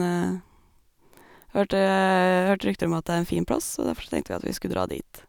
hørte Hørt rykter om at det er en fin plass, så derfor så tenkte vi at vi skulle dra dit.